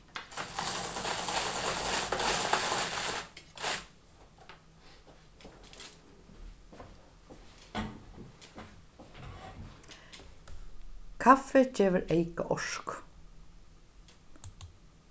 kaffi gevur eyka orku